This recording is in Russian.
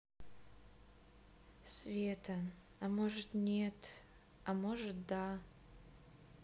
света а может нет а может да